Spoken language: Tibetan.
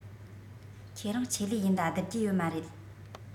ཁྱེད རང ཆེད ལས ཡིན ལ བསྡུར རྒྱུ ཡོད མ རེད